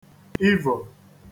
ivò